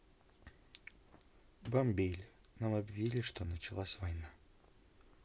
бомбили нам объявили что началася война